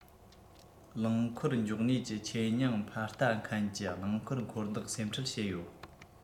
རླངས འཁོར འཇོག གནས ཀྱི ཆེད སྙིང འཕར ལྟ མཁན གྱི རླངས འཁོར འཁོར བདག སེམས ཁྲལ བྱེད ཡོད